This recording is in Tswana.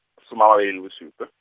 soma a mabedi le bosupa.